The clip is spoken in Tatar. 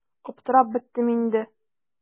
Аптырап беттем инде.